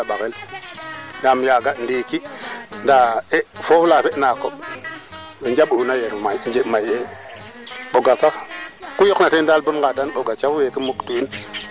ax keene yaaga pudar jege tig keene a teela le ne'a ne tena refoogu areer o afa ngaan bacin teen to gusaxe dara dara cuqiran